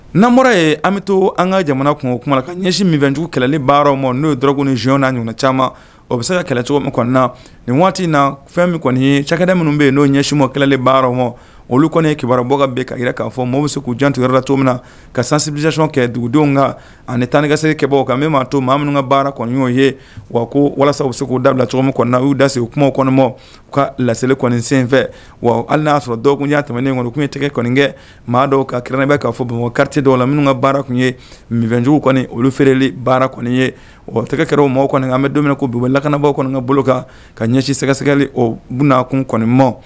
Naanɔrɔ yen an bɛ to an ka jamana kun o kumaumana ka ɲɛsin minfɛjugu kɛlɛli baarama n'o ye dɔrɔnk zyɔnna ɲin caman o bɛ se ka kɛlɛcogo min kɔnɔnana nin waati in na fɛn min kɔni ye cɛkɛɛ minnu bɛ yen n'o ɲɛsinma kɛlɛli baararawma olu kɔni kibaruyabɔ bɛ ka jira k'a fɔ maaw bɛ k'u jantigɛyɔrɔ la cogo min na ka sansibisicɔn kɛ dugudenw kan ani tannikasɛ kibabaw kan min maa to maa minnu ka baara kɔnɔn o ye wa ko walasa u se k'u dabila cogo min kɔnɔ na u'u da se u kumama ka laseli kɔni senfɛ wa hali y'a sɔrɔ dɔw tun y'a tɛmɛnen kɔni tun ye tɛgɛ kɔni kɛ maa dɔw ka kɛrɛnnen bɛ ka fɔ bɔn kariti dɔw la minnu ka baara tun ye minjugu kɔni olu feereli baara kɔni ye ɔ tɛgɛ kɛra o maaw kɔni an bɛ dumuni ko bi lakanabagaw kɔnɔ ka bolo kan ka ɲɛsin sɛgɛgɛsɛgɛli okun kɔnima